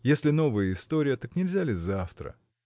если новая история, так нельзя ли завтра?